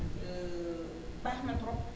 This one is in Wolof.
baax na trop